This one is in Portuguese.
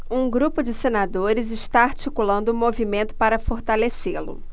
um grupo de senadores está articulando um movimento para fortalecê-lo